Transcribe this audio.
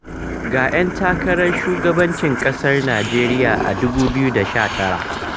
Ga 'yan takarar shugabancin ƙasar Najeriya a 2019